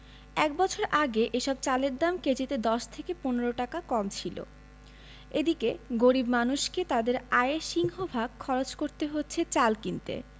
এক বছর আগে এসব চালের দাম কেজিতে ১০ থেকে ১৫ টাকা কম ছিল এদিকে গরিব মানুষকে তাঁদের আয়ের সিংহভাগ খরচ করতে হচ্ছে চাল কিনতে